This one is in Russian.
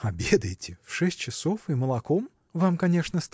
– Обедаете, в шесть часов, и молоком! – Вам конечно